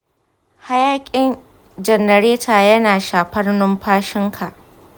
hayaƙin janareta yana shafar numfashinka?